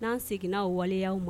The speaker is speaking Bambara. N'an seginna' waleya ma